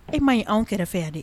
E ma ye' kɛrɛfɛ yan de